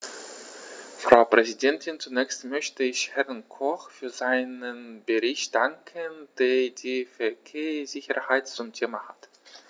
Frau Präsidentin, zunächst möchte ich Herrn Koch für seinen Bericht danken, der die Verkehrssicherheit zum Thema hat.